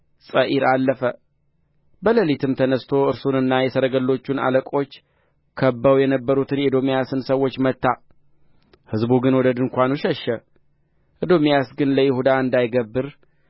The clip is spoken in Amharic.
ጸዒር አለፈ በሌሊትም ተነሥቶ እርሱንና የሰረገሎቹን አለቆች ከብበው የነበሩትን የኤዶምያስን ሰዎች መታ ሕዝቡ ግን ወደ ድንኳኑ ሸሸ ኤዶምያስ ግን ለይሁዳ እንዳይገብር